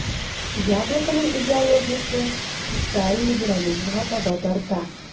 "яблоко"ның идеологиясе социаль либерализмга таба тарта.